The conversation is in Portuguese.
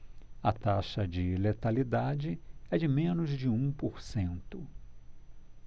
a taxa de letalidade é de menos de um por cento